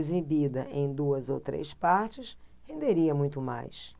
exibida em duas ou três partes renderia muito mais